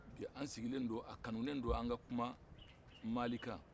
bi anw sigilen don a kanunnen don an ka kuma mali kan